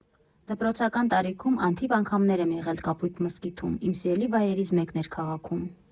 Դպրոցական տարիքում անթիվ անգամներ եմ եղել Կապույտ մզկիթում, իմ սիրելի վայրերից մեկն էր քաղաքում։